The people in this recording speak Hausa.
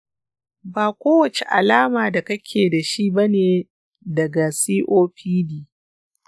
ba kowacce alama da kake dashi bane daga copd.